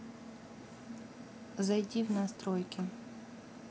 зайди в настройки